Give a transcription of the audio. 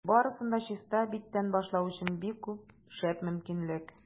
Барысын да чиста биттән башлау өчен бик шәп мөмкинлек.